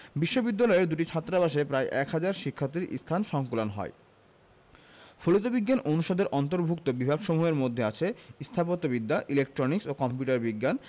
বিশ্ববিদ্যালয়ের দুটি ছাত্রাবাসে প্রায় এক হাজার শিক্ষার্থীর স্থান সংকুলান হয় ফলিত বিজ্ঞান অনুষদের অন্তর্ভুক্ত বিভাগসমূহের মধ্যে আছে স্থাপত্যবিদ্যা ইলেকট্রনিক্স ও কম্পিউটার বিজ্ঞান